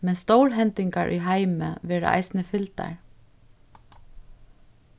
men stórhendingar í heimi verða eisini fylgdar